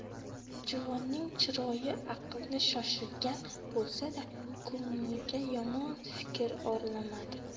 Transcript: juvonning chiroyi aqlini shoshirgan bo'lsa da ko'ngliga yomon fikr oralamadi